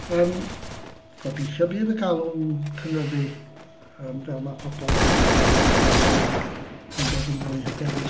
Yym gobeithio bydd y galw'n cynnyddu yym fel ma' pobl yym yn yn dod yn fwy hyderus.